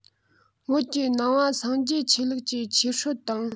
བོད ཀྱི ནང བ སངས རྒྱས ཆོས ལུགས ཀྱི ཆོས སྲོལ དང